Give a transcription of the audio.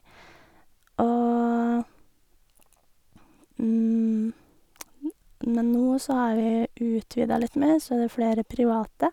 og Men nå så har vi utvida litt mer, så det er flere private.